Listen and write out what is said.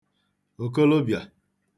òkolobịà